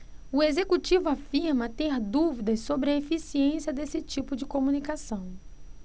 o executivo afirma ter dúvidas sobre a eficiência desse tipo de comunicação